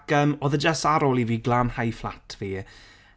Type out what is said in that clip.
Ac yym oedd e jyst ar ôl i fi glanhau fflat fi.